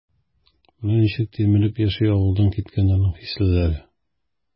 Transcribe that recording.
Менә ничек тилмереп яши авылдан киткәннәрнең хислеләре?